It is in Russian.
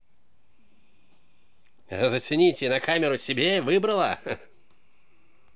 зацените на камеру себе выбрала